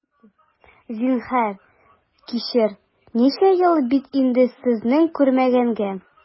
Зинһар, кичер, ничә ел бит инде сезне күрмәгәнгә!